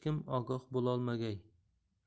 kim ogoh bo'lolmagay